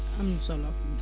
am na solo